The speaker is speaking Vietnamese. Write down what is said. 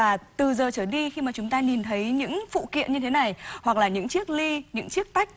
và từ giờ trở đi khi mà chúng ta nhìn thấy những phụ kiện như thế này hoặc là những chiếc ly những chiếc tách